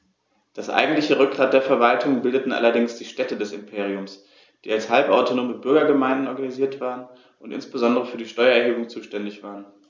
Das eigentliche Rückgrat der Verwaltung bildeten allerdings die Städte des Imperiums, die als halbautonome Bürgergemeinden organisiert waren und insbesondere für die Steuererhebung zuständig waren.